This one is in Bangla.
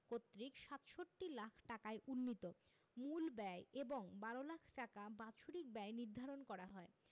কর্তৃক ৬৭ লাখ ঢাকায় উন্নীত মূল ব্যয় এবং ১২ লাখ টাকা বাৎসরিক ব্যয় নির্ধারণ করা হয়